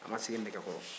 a siginɛgɛkɔrɔ